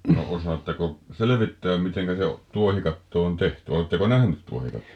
no osaatteko selvittää miten se tuohikatto on tehty oletteko nähnyt tuohikattoa